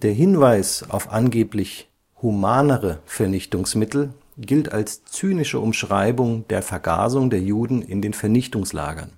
Hinweis auf angeblich „ humanere “Vernichtungsmittel gilt als zynische Umschreibung der Vergasung der Juden in den Vernichtungslagern